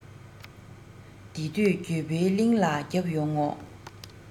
དེ དུས འགྱོད པའི གླིང ལ བརྒྱབ ཡོང ངོ